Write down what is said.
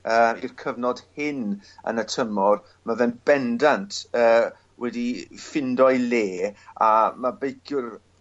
yy i'r cyfnod hyn yn y tymor ma' fe'n bendant yy wedi ffindo'i le a ma' beiciwr